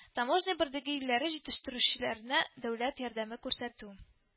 - таможня берлеге илләре җитештерүчеләренә дәүләт ярдәме күрсәтү